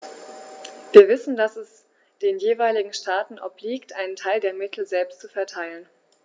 Wir wissen, dass es den jeweiligen Staaten obliegt, einen Teil der Mittel selbst zu verteilen.